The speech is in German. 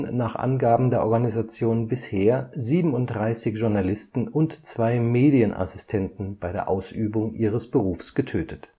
nach Angaben der Organisation bisher 37 Journalisten und zwei Medienassistenten bei der Ausübung ihres Berufs getötet